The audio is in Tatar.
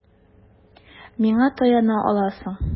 Миңа таяна аласың.